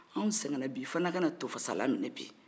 anw sɛgɛn bi i fana ka tofasalan bi